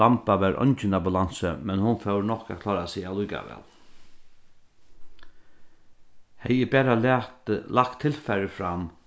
lamba var eingin ambulansi men hon fór nokk at klára seg allíkavæl hevði eg bara latið lagt tilfarið fram